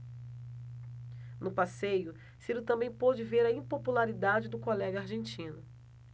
no passeio ciro também pôde ver a impopularidade do colega argentino